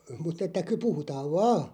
mutta että - puhutaan vain